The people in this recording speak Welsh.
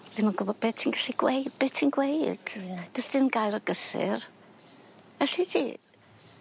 Dwi ddim yn gwbo be' ti'n gallu gweu- be' ti'n gweud. Ie. Do's dim gair o gysur elli ti?